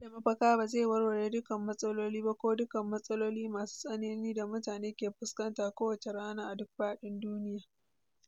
Bada mafaka ba zai warware dukkan matsalolin ba - ko dukan matsaloli masu tsanani - da mutane ke fuskantar kowace rana a duk faɗin duniya.